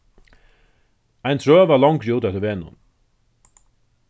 ein trøð var longri úti eftir vegnum